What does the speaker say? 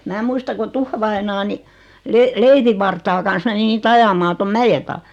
minä muistan kun tuffavainaja niin leivinvartaan kanssa meni niitä ajamaan tuon mäen taakse